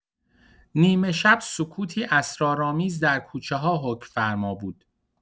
نیمه‌شب سکوتی اسرارآمیز در کوچه‌ها حکم‌فرما بود.